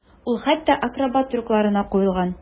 Ул хәтта акробат трюкларына куелган.